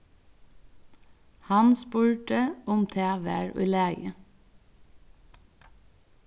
hann spurdi um tað var í lagi